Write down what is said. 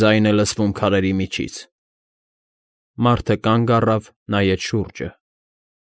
Ձայն է լսվում քարերի միջից։֊ Մարդը կանգ առավ, նայեց շուրջը։